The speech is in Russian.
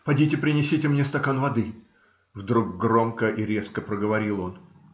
Подите, принесите мне стакан воды, - вдруг громко и резко проговорил он.